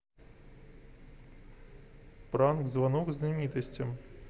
пранк звонок знаменитостям